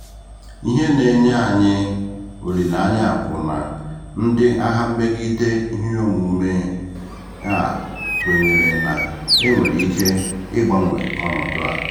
Ihe na-enye anyị olileanya bụ na ndị agha mmegide ihe omume a kwenyere na e nwere ike ịgbanwe ọnọdụ a.